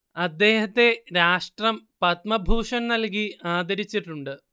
അദ്ദേഹത്തെ രാഷ്ട്രം പദ്മഭൂഷൻ നൽകി ആദരിച്ചിട്ടുണ്ട്